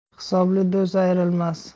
hisobli do'st ayrilmas